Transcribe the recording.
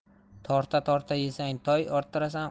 torta torta yesang toy orttirasan